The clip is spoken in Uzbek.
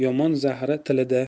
yomon zahri tilida